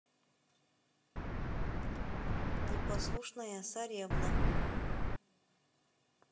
непослушная царевна